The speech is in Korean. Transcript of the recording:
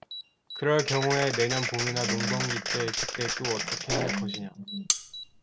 그럴 경우에 내년 봄이나 농번기 때 그때 또 어떻게 할 것이냐